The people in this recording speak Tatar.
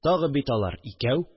Тагы бит алар – икәү